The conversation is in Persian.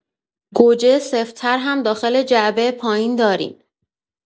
گوجه سفت‌تر هم داخل جعبه پایین داریم.